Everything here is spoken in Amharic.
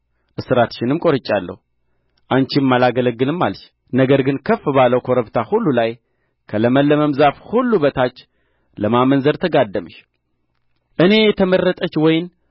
እስራትሽንም ቈርጫለሁ አንቺም አላገለግልም አልሽ ነገር ግን ከፍ ባለው ኮረብታ ሁሉ ላይ ከለምለምም ዛፍ ሁሉ በታች ለማመንዘር ተጋደምሽ እኔ የተመረጠች ወይን